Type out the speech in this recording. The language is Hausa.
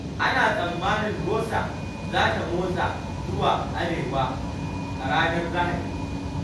Ana tsammanin Rosa za ta motsa zuwa arewa a ranar Lahadi.